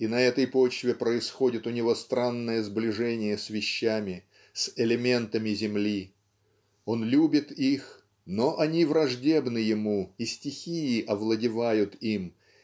и на этой почве происходит у него странное сближение с вещами с элементами земли он любит их но они враждебны ему и стихии овладевают им